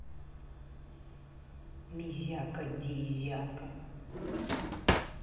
мизяка дизяка